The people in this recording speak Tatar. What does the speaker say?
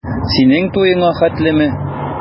Синең туеңа хәтлеме?